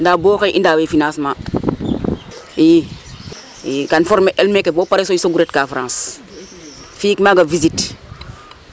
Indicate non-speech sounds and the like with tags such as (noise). Ndaa bo xay i ndaawe financement i i kaam former el meke bo pare so soog o ndet ka France fi'ik maaga visite. (clears throat)